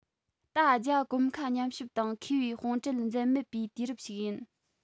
རྟ བརྒྱ གོམ ཁ མཉམ གཤིབ དང མཁས པའི དཔུང གྲལ འཛད མེད པའི དུས རབས ཤིག ཡིན